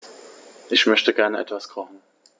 Ich möchte gerne etwas kochen.